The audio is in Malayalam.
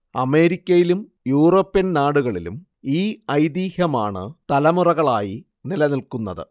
അമേരിക്കയിലും യൂറോപ്യൻ നാടുകളിലും ഈ ഐതിഹ്യമാണ് തലമുറകളായി നിലനിൽക്കുന്നത്